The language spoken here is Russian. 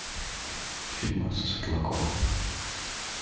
фильмы со светлаковым